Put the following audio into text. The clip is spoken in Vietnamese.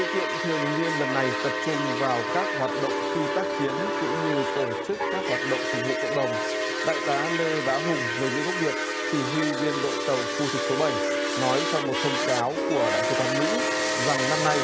sự kiện thường niên lần này tập trung vào các hoạt động phi tác chiến cũng như tổ chức các hoạt động phục vụ cộng đồng đại tá lê bá hùng người mỹ gốc việt chỉ huy biên đội tàu khu trục số bảy nói trong một thông cáo của đại sứ quán mỹ rằng năm nay